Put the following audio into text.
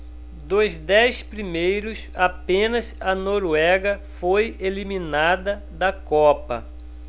dos dez primeiros apenas a noruega foi eliminada da copa